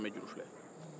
a ko ɲaamɛ juru filɛ